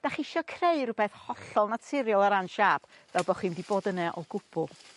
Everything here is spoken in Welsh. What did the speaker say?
'Dach ch'isio creu rwbeth hollol naturiol o ran siâp. Fel bo' chi'm 'di bod yne o gwbwl.